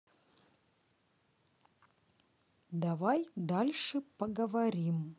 давай дальше поговорим